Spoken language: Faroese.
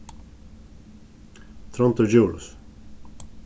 tróndur djurhuus